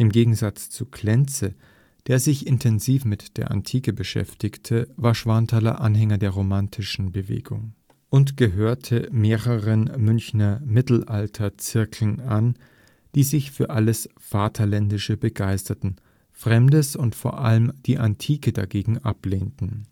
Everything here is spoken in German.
Gegensatz zu Klenze, der sich intensiv mit der Antike beschäftigte, war Schwanthaler Anhänger der romantischen Bewegung und gehörte mehreren Münchner Mittelalter-Zirkeln an, die sich für alles „ Vaterländische” begeisterten, Fremdes und vor allem die Antike dagegen ablehnten